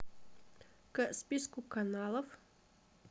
к списку каналов